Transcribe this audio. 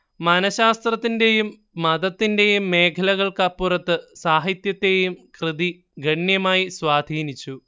മനഃശാസ്ത്രത്തിന്റേയും മതത്തിന്റേയും മേഖലകൾക്കപ്പുറത്ത് സാഹിത്യത്തേയും കൃതി ഗണ്യമായി സ്വാധീനിച്ചു